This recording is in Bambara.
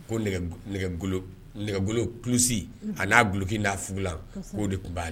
Ko nɛgɛ kulusi ani n'alofin'a fugula o de tun b'aale la